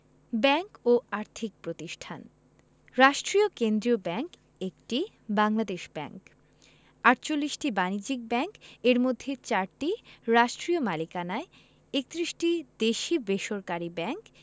bank ও আর্থিক প্রতিষ্ঠানঃ রাষ্ট্রীয় কেন্দ্রীয় ব্যাংক ১টি বাংলাদেশ ব্যাংক ৪৮টি বাণিজ্যিক ব্যাংক এর মধ্যে ৪টি রাষ্ট্রীয় মালিকানায় ৩১টি দেশী বেসরকারি ব্যাংক